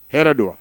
Hɛrɛ don wa?